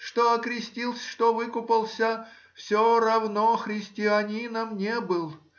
Что окрестился, что выкупался, все равно христианином не был.